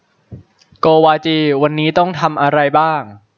โกวาจีวันนี้ต้องทำอะไรบ้าง